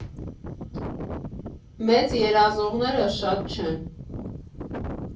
Մեծ երազողները շատ չեն։